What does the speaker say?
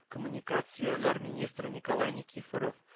Коммуникацияләр министры николай никифоров